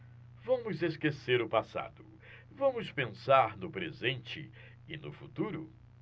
vamos esquecer o passado vamos pensar no presente e no futuro